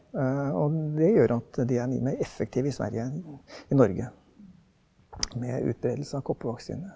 og det gjør at de er mye mere effektive i Sverige enn i Norge med utbredelse av koppevaksine.